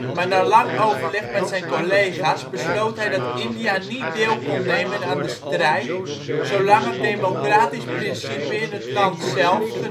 maar na lang overleg met zijn collega 's besloot hij dat India niet deel kon nemen aan de strijd zolang het democratisch principe in het land zelf